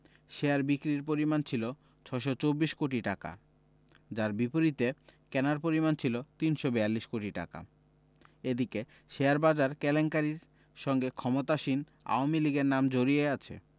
share বিক্রির পরিমাণ ছিল ৬২৪ কোটি টাকা তার বিপরীতে কেনার পরিমাণ ছিল ৩৪২ কোটি টাকা এদিকে শেয়ারবাজার কেলেঙ্কারির সঙ্গে ক্ষমতাসীন আওয়ামী লীগের নাম জড়িয়ে আছে